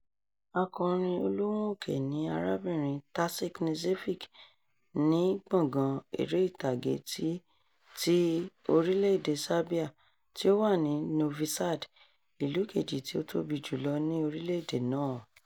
Akọrin-olóhùn-òkè ni arábìnrin Tasić Knežević ní Gbọ̀ngan Eré-ìtàgé ti orílẹ̀-èdè Serbia tí ó wà ní Novi Sad, ìlú kejì tí ó tóbi jù lọ ní orílẹ̀-èdè náà.